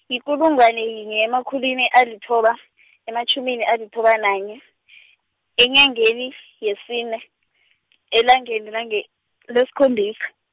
enyangeni yesinye, enyangeni nange lesikhombis- .